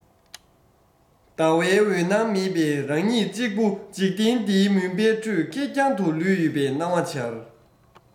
ཟླ བའི འོད སྣང མེད པས རང ཉིད གཅིག པུ འཇིག རྟེན འདིའི མུན པའི ཁྲོད ཁེར རྐྱང དུ ལུས ཡོད པའི སྣང བ འཆར